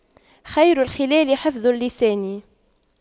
خير الخلال حفظ اللسان